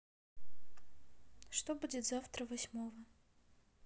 что будет завтра восьмого